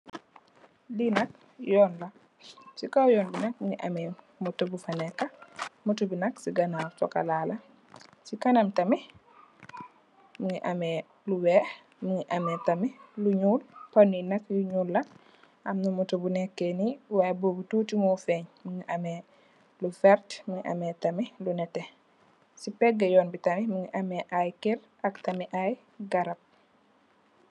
Li nak yoon la ci kaw yoon bi nak mungi ameh moto bu fa nekka. Moto bi nak ci ganaaw sokola la, ci kanam tamit mungi ameh lu weeh, mungi ameh tamit lu ñuul. Panu yi nak yu ñuul la, amna moto bu nekkè ni why bobu tutti mu fèn, mungi ameh lu vert, mungi ameh tamit lu nètè. Ci pègg yoon bi tamit mungi ameh ay kër ak tamit ay garab.